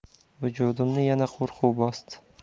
vujudimni yana qo'rquv bosdi